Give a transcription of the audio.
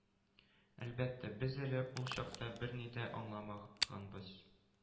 Әлбәттә, без әле ул чакта берни дә аңламаганбыз.